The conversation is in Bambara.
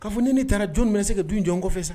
Ka kunnafoni taara jɔn minɛ bɛ se ka don jɔn kɔfɛ sa